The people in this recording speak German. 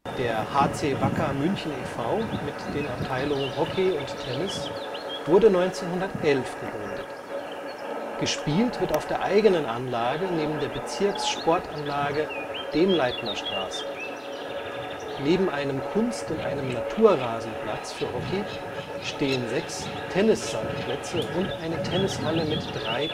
Der HC Wacker München e. V. mit den Abteilungen Hockey und Tennis wurde 1911 gegründet. Gespielt wird auf der eigenen Anlage neben der Bezirkssportanlage Demleitnerstraße. Neben einem Kunst - und einem Naturrasenplatz für Hockey stehen sechs Tennissandplätze und eine Tennishalle mit drei